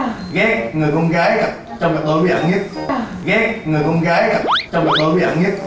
ghét người con gái trong cặp đôi bí ẩn nhất ghét người con gái trong cặp đôi bí ẩn nhất